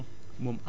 demeewul noonu